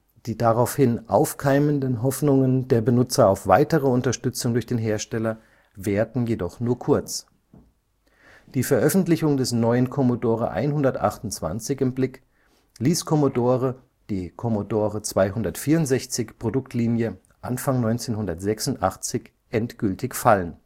Die daraufhin aufkeimenden Hoffnungen der Benutzer auf weitere Unterstützung durch den Hersteller währten jedoch nur kurz: Die Veröffentlichung des neuen Commodore 128 im Blick, ließ Commodore die Commodore-264-Produktlinie Anfang 1986 endgültig fallen